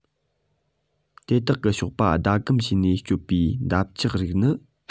དེ དག གི གཤོག པ ཟླ གམ བྱས ནས སྤྱོད པའི འདབ ཆགས རིགས ནི